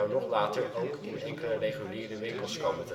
nog later ook in enkele reguliere winkels komen